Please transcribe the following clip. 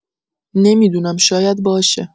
نمی‌دونم شاید باشه